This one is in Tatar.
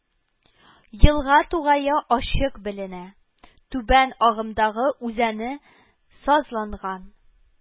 Елга тугае ачык беленә, түбән агымдагы үзәне сазланган